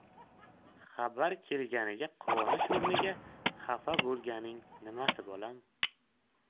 xabar kelganiga quvonish o'rniga xafa bo'lganing nimasi bolam